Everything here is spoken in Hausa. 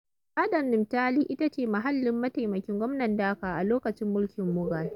Fadar Nimtali, ita ce muhallin mataimakin gwamnan Dhaka a lokacin mulkin Mughal.